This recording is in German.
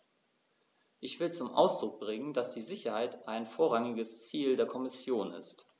Ich will zum Ausdruck bringen, dass die Sicherheit ein vorrangiges Ziel der Kommission ist.